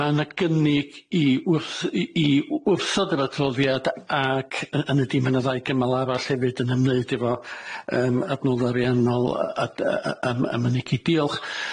Ma' 'na gynnig i wrth- i i wrthod yr adroddiad a- ac yy hynny 'di ma' 'na ddau gymal arall hefyd yn ymwneud efo yym adnodda ariannol a- a- a- a- a- mynegi, diolch.